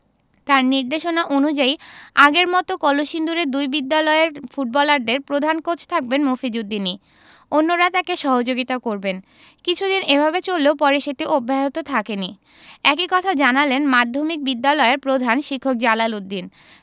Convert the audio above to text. তাঁর নির্দেশনা অনুযায়ী আগের মতো কলসিন্দুরের দুই বিদ্যালয়ের ফুটবলারদের প্রধান কোচ থাকবেন মফিজ উদ্দিনই অন্যরা তাঁকে সহযোগিতা করবেন কিছুদিন এভাবে চললেও পরে সেটি অব্যাহত থাকেনি একই কথা জানালেন মাধ্যমিক বিদ্যালয়ের প্রধান শিক্ষক জালাল উদ্দিন